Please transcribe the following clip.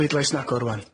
Bleidlais yn agor rŵan.